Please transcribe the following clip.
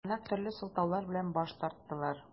Калганнар төрле сылтаулар белән баш тарттылар.